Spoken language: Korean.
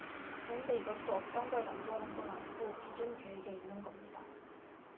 그런데 이것도 없던걸 만들어낸건 아니고 기존 계획에 있는 겁니다